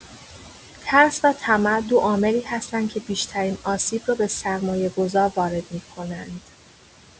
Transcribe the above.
ترس و طمع دو عاملی هستند که بیشترین آسیب را به سرمایه‌گذار وارد می‌کنند.